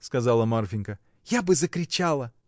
— сказала Марфинька, — я бы закричала.